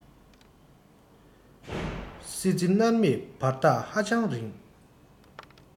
སྲིད རྩེ མནར མེད བར ཐག ཧ ཅང རིང